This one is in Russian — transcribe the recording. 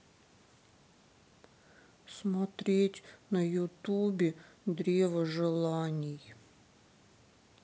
смотреть на ютубе древо желаний